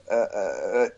yy yy y y